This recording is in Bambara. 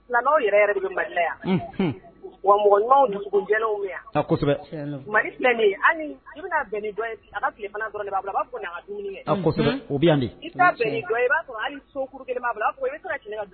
Yan wa mɔgɔ